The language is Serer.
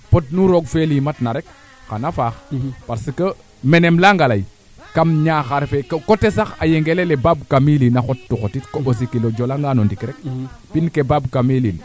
a jega nama leyta xinel a jega kee ando naye ka yaqa ma ten engrais te ref cerke in te ref no laŋ kaa keene moom fat i anda noorin ndaa koy oxu ñakna pexey